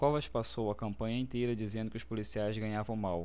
covas passou a campanha inteira dizendo que os policiais ganhavam mal